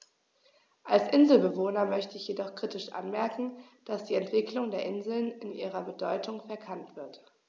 Als Inselbewohner möchte ich jedoch kritisch anmerken, dass die Entwicklung der Inseln in ihrer Bedeutung verkannt wird.